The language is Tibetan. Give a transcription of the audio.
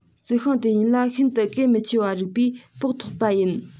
རྩི ཤིང དེ ཉིད ལ ཤིན ཏུ གལ མི ཆེ བ རིགས པས དཔོག ཐུབ པ ཡིན